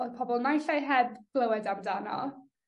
o'dd pobol naill ai heb glywed amdano